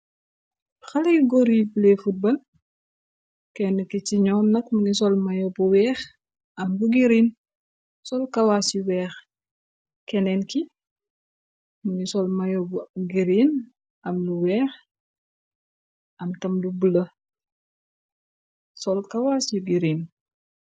Xaley gooriyee yu play futbal kenn ki ci ñoo nak muni sol mayo bu weex am bu giriin sool kawaas yu weex. Kenneen ki mun ngi sol mayo bu giriin am lu weex am tam lu bula sol kawaas yu girin.